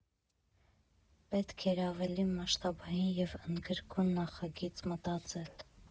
Պետք էր ավելի մասշտաբային և ընդգրկուն նախագիծ մտածել։